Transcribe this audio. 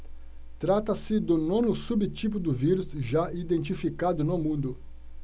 trata-se do nono subtipo do vírus já identificado no mundo